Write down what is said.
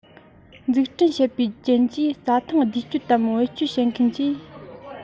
འཛུགས སྐྲུན བྱེད པའི རྐྱེན གྱིས རྩྭ ཐང བསྡུས སྤྱོད དམ བེད སྤྱོད བྱེད མཁན གྱིས